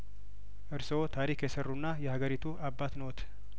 እርስዎ ታሪክ የሰሩና የሀገሪቱ አባት ነዎት